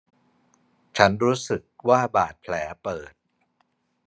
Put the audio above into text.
ฉันรู้สึกว่าบาดแผลเปิด